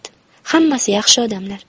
hammasi yaxshi odamlar